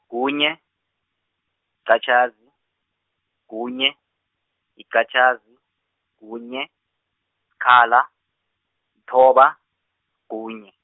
kunye, -qatjhazi, kunye, yiqatjhazi, kunye, sikhala, kuthoba, kunye.